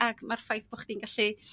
ag mae'r ffaith bo' chdi'n gallu